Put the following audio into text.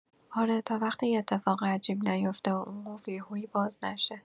آره، تا وقتی یه اتفاق عجیب نیفته و اون قفل یهویی باز نشه.